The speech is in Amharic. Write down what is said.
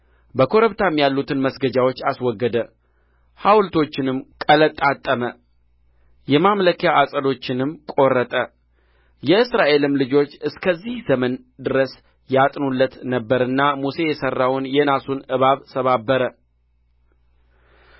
በኮረብታም ያሉትን መስገጃዎች አስወገደ ሐውልቶችንም ቀለጣጠመ የማምለኪያ ዐፀዶቹንም ቈረጠ የእስራኤልም ልጆች እስከዚህ ዘመን ድረስ ያጥኑለት ነበርና ሙሴ የሠራውን የናሱን እባብ ሰባበረ